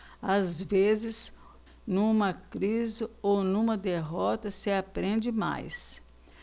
às vezes numa crise ou numa derrota se aprende mais